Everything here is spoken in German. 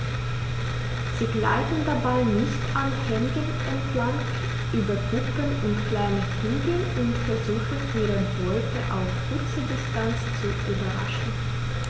Sie gleiten dabei dicht an Hängen entlang, über Kuppen und kleine Hügel und versuchen ihre Beute auf kurze Distanz zu überraschen.